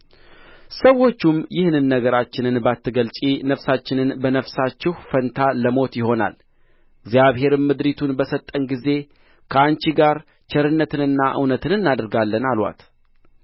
ሰዎቹም ይህን ነገራችንን ባትገልጪ ነፍሳችን በነፍሳችሁ ፋንታ ለሞት ይሆናል እግዚአብሔርም ምድሪቱን በሰጠን ጊዜ ከአንቺ ጋር ቸርነትንና እውነትን እናደርጋለን አሉአት